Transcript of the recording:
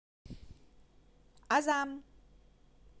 азам